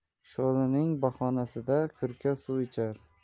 sholining bahonasida kurmak suv ichar